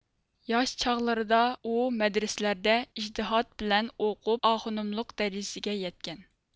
ياش چاغلىرىدا ئۇ مەدرىسىلەردە ئىجتىھات بىلەن ئوقۇپ ئاخونۇملۇق دەرىجىسىگە يەتكەن